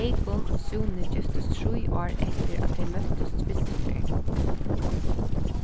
eyðgunn og súni giftust trý ár eftir at tey møttust fyrstu ferð